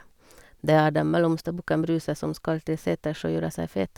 Det er den mellomste bukken Bruse, som skal til seters og gjøre seg fet.